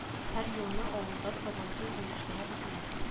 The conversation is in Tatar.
Һәр елны авылда сабантуй оештыра иделәр